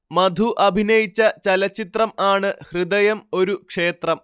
മധു അഭിനയിച്ച ചലച്ചിത്രം ആണ് ഹൃദയം ഒരു ക്ഷേത്രം